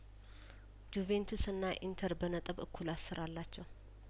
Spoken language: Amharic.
ጁቬንትስና ኢንተር በነጥብ እኩል አስር አላቸው